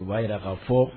U b'a jira k ka fɔ